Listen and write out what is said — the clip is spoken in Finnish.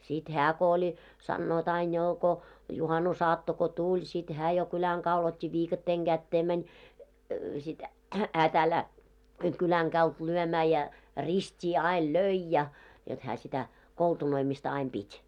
sitten hän kun oli sanovat aina jo kun juhannusaatto kun tuli sitten hän jo kylän kadulla otti viikatteen käteen meni sitten hän tällä lailla kylän kadulta lyömään ja ristiin aina löi ja jotta hän sitä koltunoimista aina piti